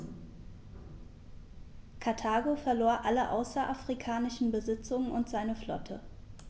Karthago verlor alle außerafrikanischen Besitzungen und seine Flotte.